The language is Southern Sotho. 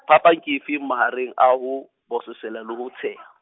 phapang ke efe mahareng a ho, bososela le ho tsheha?